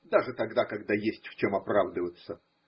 Даже тогда, когда есть в чем оправдываться.